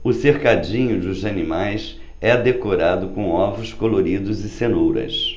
o cercadinho dos animais é decorado com ovos coloridos e cenouras